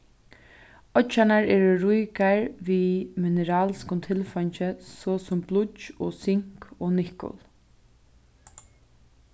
oyggjarnar eru ríkar við mineralskum tilfeingi so sum blýggj og sink og nikkul